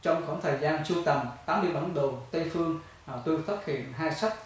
trong khoảng thời gian sưu tầm tám mươi bản đồ tây phương tôi phát triển hai sách